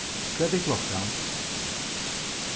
hvat er klokkan